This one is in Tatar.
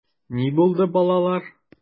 Ни булды, балалар?